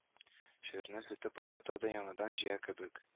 Шигырьне сүтеп ыргыта да яңадан җыя кебек